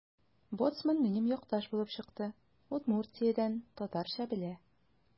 Боцман минем якташ булып чыкты: Удмуртиядән – татарча белә.